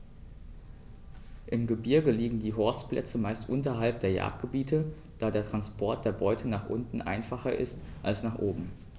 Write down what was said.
Im Gebirge liegen die Horstplätze meist unterhalb der Jagdgebiete, da der Transport der Beute nach unten einfacher ist als nach oben.